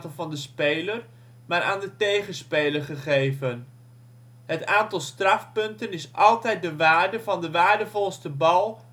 van de speler, maar aan de tegenspeler gegeven. Het aantal strafpunten is altijd de waarde van de waardevolste bal